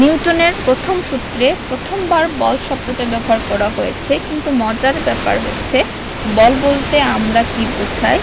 নিউটনের প্রথম সূত্রে প্রথমবার বল শব্দটা ব্যবহার করা হয়েছে কিন্তু মজার ব্যাপার হচ্ছে বল বলতে আমরা কী বোঝাই